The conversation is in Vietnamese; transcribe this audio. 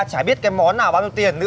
chả biết cái món nào bao nhiêu tiền nữa